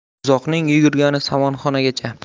buzoqning yugurgani somonxonagacha